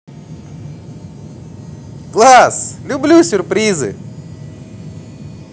glass люблю сюрпризы